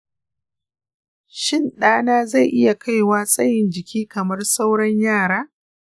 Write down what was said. shin ɗana zai iya kaiwa tsayin jiki kamar sauran yara?